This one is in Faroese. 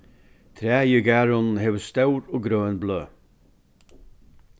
træið í garðinum hevur stór og grøn bløð